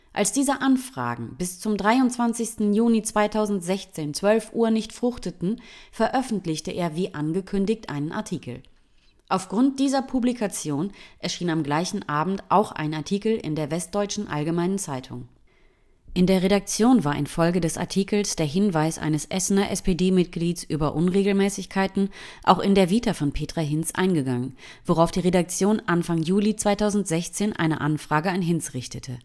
Als diese Anfragen bis zum 23. Juni 2016, 12 Uhr, nicht fruchteten, veröffentlichte er wie angekündigt einen Artikel. Aufgrund dieser Publikation erschien am gleichen Abend auch ein Artikel in der Westdeutschen Allgemeinen Zeitung. In der Redaktion war infolge des Artikels der Hinweis eines Essener SPD-Mitglieds über Unregelmäßigkeiten auch in der Vita von Petra Hinz eingegangen, worauf die Redaktion Anfang Juli 2016 eine Anfrage an Hinz richtete